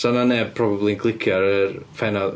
'Sa na neb probably yn clicio ar y pennawd.